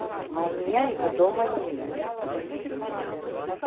а у меня его дома нет